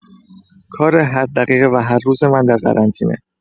کار هر دقیقه و هر روز من در قرنطینه